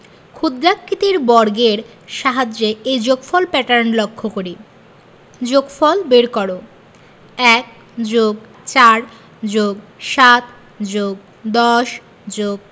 ক্ষুদ্রাকৃতির বর্গের সাহায্যে এই যোগফল প্যাটার্ন লক্ষ করি যোগফল বের করঃ ১+৪+৭+১০+